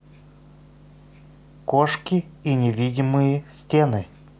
кошки и невидимые стены